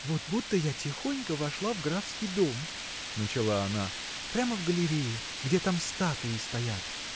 — Вот будто я тихонько вошла в графский дом, — начала она, — прямо в галерею, где там статуи стоят.